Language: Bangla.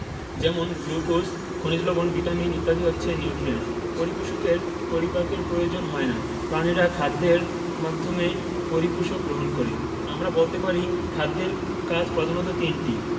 যেমন গ্লুকোজ খনিজ লবন ভিটামিন ইত্যাদি হচ্ছে নিউট্রিয়েন্টস পরিপোষকের পরিপাকের প্রয়োজন হয় না প্রাণীরা খাদ্যের মাধ্যমে পরিপোষক গ্রহণ করে আমরা বলতে পারি খাদ্যের কাজ প্রধানত তিনটি